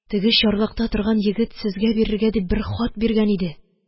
Теге чарлакта торган егет сезгә бирергә дип бер хат биргән иде.